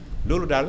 loolu daal